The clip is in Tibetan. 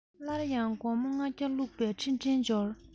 སླར ཡང སྒོར མོ ལྔ བརྒྱ བླུག པའི འཕྲིན ཕྲན འབྱོར